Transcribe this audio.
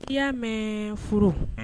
I y'a mɛn furu